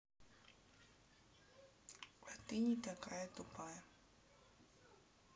а ты не такая тупая